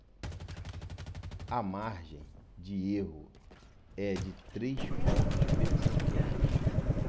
a margem de erro é de três pontos percentuais